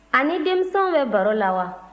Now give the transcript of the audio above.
a ni denmisɛnw bɛ baro la wa